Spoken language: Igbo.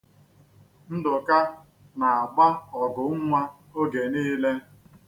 Ndụka na-agba ọgụ nnwa oge niile.